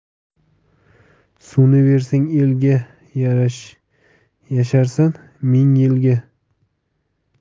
suvni bersang elga yasharsan ming yilga